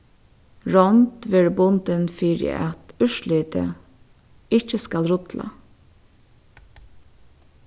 rond verður bundin fyri at úrslitið ikki skal rulla